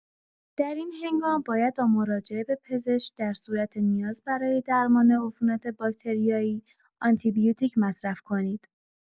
در این هنگام باید با مراجعه به پزشک در صورت نیاز برای درمان عفونت باکتریایی، آنتی‌بیوتیک مصرف کنید.